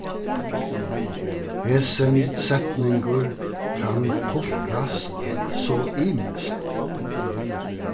hesin setningur kann tulkast so ymiskt